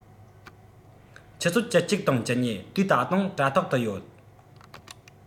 ཆུ ཚོད བཅུ གཅིག དང བཅུ གཉིས དུས ད དུང དྲ ཐོག ཏུ ཡོད